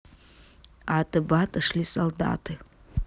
аты баты шли солдаты